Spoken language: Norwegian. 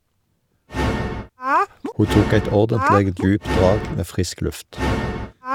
Ho tok eit ordentleg djupt drag med frisk luft.